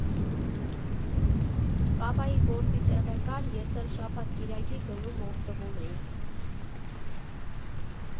Պապայի գործի տեղը կար, ես էլ շաբաթ֊կիրակի գնում՝ օգտվում էի։